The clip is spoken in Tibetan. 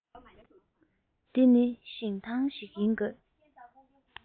འདི ནི ཞིང ཐང ཡིན དགོས